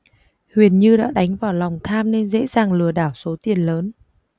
huyền như đã đánh vào lòng tham nên dễ dàng lừa đảo số tiền lớn